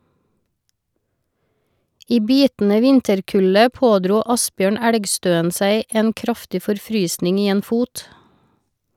I bitende vinterkulde pådro Asbjørn Elgstøen seg en kraftig forfrysning i en fot.